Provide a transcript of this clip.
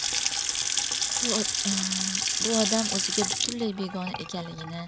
elu odam o'ziga butunlay begona ekanligini